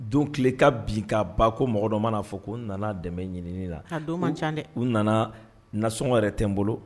Don tile ka bin' ba ko mɔgɔ dɔ manaa fɔ ko nana dɛmɛ ɲinin na a ca u nana nasɔngɔ yɛrɛ tɛ n bolo